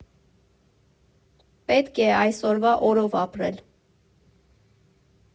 Պետք է այսօրվա օրով ապրել։